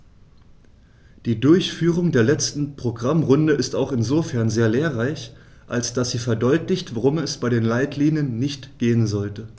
Die Durchführung der letzten Programmrunde ist auch insofern sehr lehrreich, als dass sie verdeutlicht, worum es bei den Leitlinien nicht gehen sollte.